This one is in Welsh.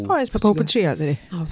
Oes mae pawb yn trio yn dydy? o.